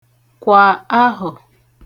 kwà ahọ̀